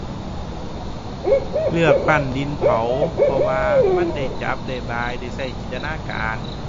เลือกปั้นดินเผา เพราะว่ามันได้จับ ได้บาย ได้ใช้จินตนาการ